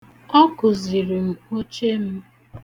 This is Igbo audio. Ọ kụziri m oche m.